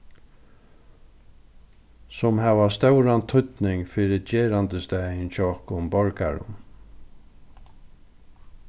sum hava stóran týdning fyri gerandisdagin hjá okkum borgarum